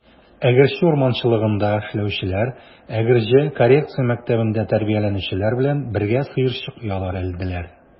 Әгерҗе урманчылыгында эшләүчеләр Әгерҗе коррекция мәктәбендә тәрбияләнүчеләр белән бергә сыерчык оялары элделәр.